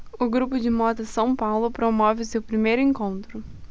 o grupo de moda são paulo promove o seu primeiro encontro